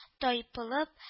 Тайпылып